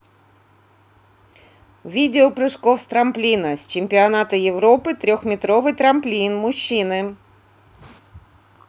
видео прыжков с трамплина с чемпионата европы трехметровый трамплин мужчины